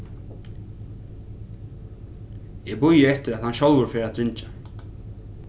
eg bíði eftir at hann sjálvur fer at ringja